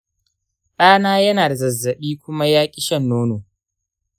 ɗana yana da zazzaɓi kuma ya ƙi shan nono.